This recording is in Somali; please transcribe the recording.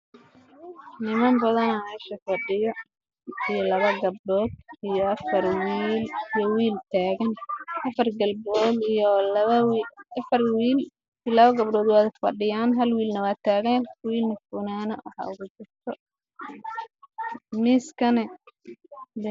Meeshaan waxaa fadhiyo niman iyo gabdho